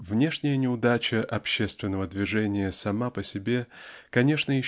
внешняя неудача общественного движения сама по себе конечно